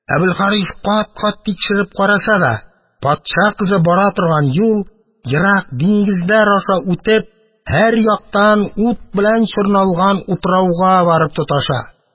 Әбелхарис кат-кат тикшереп караса да, патша кызы бара торган юл, ерак диңгезләр аша үтеп, һәрьяктан ут белән чорналган утрауга барып тоташа.